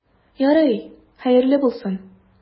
Ярый, хәерле булсын.